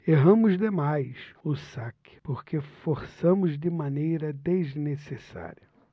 erramos demais o saque porque forçamos de maneira desnecessária